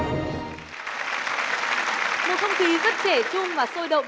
không khí rất trẻ trung và sôi động